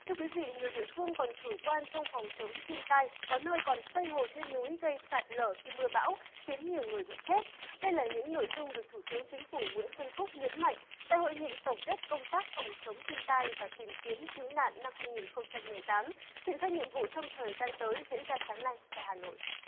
thưa quý vị nhiều địa phương còn chủ quan trong phòng chống thiên tai có nơi còn xây hồ trên núi gây sạt lở khi mưa bão khiến nhiều người bị chết đây là những nội dung được thủ tướng chính phủ nguyễn xuân phúc nhấn mạnh tại hội nghị tổng kết công tác phòng chống thiên tai và tìm kiếm cứu nạn năm hai nghìn không trăm mười tám triển khai nhiệm vụ trong thời gian tới diễn ra sáng nay tại hà nội